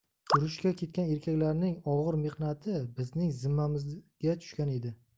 urushga ketgan erkaklarning og'ir mehnati bizning zimmamizga tushgan edi